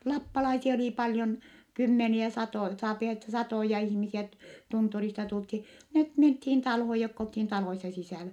lappalaisia oli paljon kymmeniä satoja saa että satoja ihmisiä että tunturista tultiin ne mentiin taloon jotka oltiin taloissa sisällä